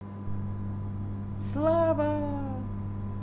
слава